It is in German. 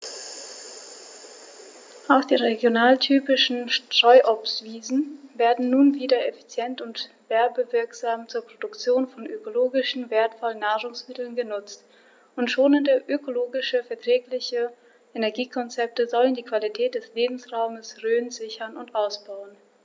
Auch die regionaltypischen Streuobstwiesen werden nun wieder effizient und werbewirksam zur Produktion von ökologisch wertvollen Nahrungsmitteln genutzt, und schonende, ökologisch verträgliche Energiekonzepte sollen die Qualität des Lebensraumes Rhön sichern und ausbauen.